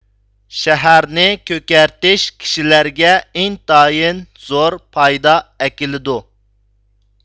شەھەرنى كۆكەرتىش كىشىلەرگە ئىنتايىن زور پايدا ئەكىلىدۇ